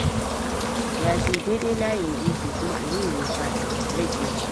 Ya je daidai layin gefe kuma anan ya fadi”, Reed yace.